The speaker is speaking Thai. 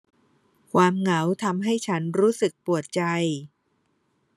ความเหงาทำให้ฉันรู้สึกปวดใจ